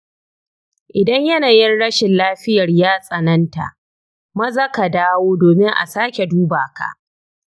idan yanayin rashin lafiyar ya tsananta, maza ka dawo domin a sake duba ka.